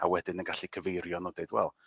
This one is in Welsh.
A wedyn yn gallu cyfeirio n'w a deud wel